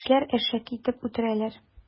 Кешеләр әшәке итеп үтерәләр.